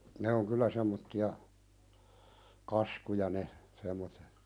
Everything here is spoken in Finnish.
ne on kyllä semmoisia kaskuja ne semmoiset